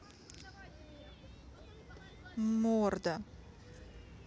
морда